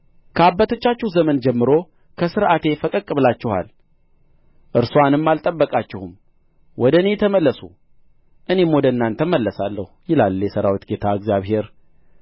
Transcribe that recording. ከአባቶቻችሁ ዘመን ጀምር ከሥርዓቴ ፈቀቅ ብላችኋል እርስዋንም አልጠበቃችሁም ወደ እኔ ተመለሱ እኔም ወደ እናንተ እመለሳለሁ ይላል የሠራዊት ጌታ እግዚአብሔር